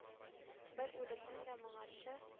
Бер үлекнең дә моңарчы